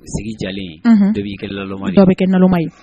Sigi jalen dɔw b'i kɛ lala dɔw bɛ kɛ nama ye